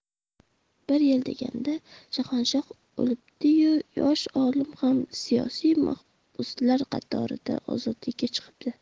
bir yil deganda shahanshoh o'libdi yu yosh olim ham siyosiy mahbuslar qatorida ozodlikka chiqibdi